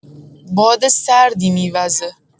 باد سردی می‌وزه.